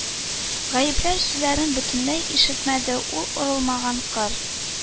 Гаепләү сүзләрен бөтенләй ишетмәде, ул урылмаган кыр